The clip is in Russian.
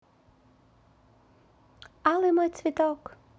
алый мой цветок